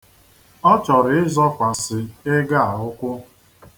Ọ chọrọ ịzọkwasị ego a ụkwụ.